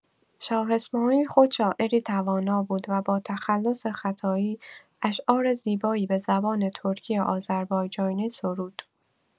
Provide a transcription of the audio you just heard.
شاه‌اسماعیل خود شاعری توانا بود و با تخلص «ختایی» اشعار زیبایی به زبان ترکی آذربایجانی سرود.